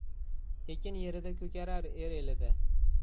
ekin yerida ko'karar er elida